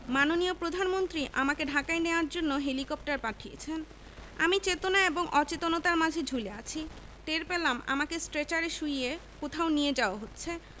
মাননীয় প্রধানমন্ত্রী আমাকে ঢাকায় নেওয়ার জন্য হেলিকপ্টার পাঠিয়েছেন আমি চেতনা এবং অচেতনার মাঝে ঝুলে আছি টের পেলাম আমাকে স্ট্রেচারে শুইয়ে কোথাও নিয়ে যাওয়া হচ্ছে